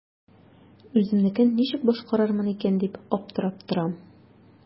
Үземнекен ничек башкарырмын икән дип аптырап торам.